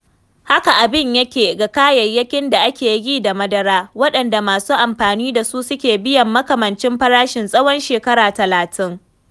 Haka abin yake ga kayayyakin da ake yi da madara, waɗanda masu amfani da su suke biyan makamancin farashin tsawon shekara talatin.